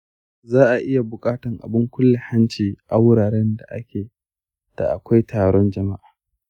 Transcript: za'a iya buƙatan abun kulle hanci a wuraren da akwai taron jama'a.